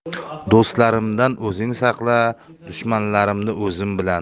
do'stlarimdan o'zing saqla dushmanlarimni o'zim bilaman